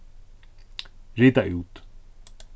rita út